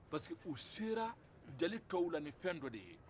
parce que u sera jeli tɔw la ni fɛn dɔ de ye